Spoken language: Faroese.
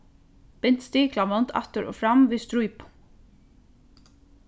bint stiklavond aftur og fram við strípum